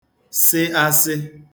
sị āsị̄